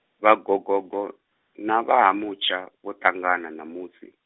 vha Gogogo, na vha Ha Mutsha, vho ṱangana ṋamusi.